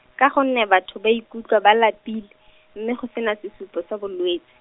ka gonne batho ba ikutlwa ba lapile, mme go sena sesupo sa bolwetsi.